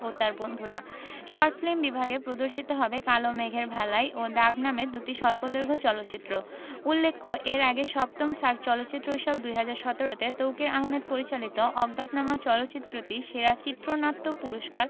ও তার বন্ধুরা short film বিভাগে প্রদর্শিত হবে কালো মেঘের ভেলায় ও দাগ নামের দুটি স্বল্পদৈর্ঘ চলচ্চিত্র উল্লেখ্য এর আগে ৭ম সার্ক চলচ্চিত্র উৎসব ২০১৭ তে তৌকীর আহমেদ পরিচালিত অজ্ঞাতনামা চলচ্চিত্রটি সেরা চিত্রনাট্য পুরস্কার